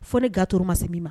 Fɔ ne gatouru ma min ma